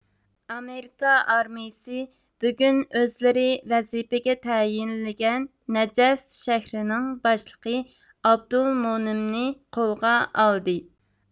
ئامېرىكا ئارمىيىسى بۈگۈن ئۆزلىرى ۋەزىپىگە تەيىنلىگەن نەجەف شەھىرىنىڭ باشلىقى ئابدۇل مۇنىمنى قولغا ئالدى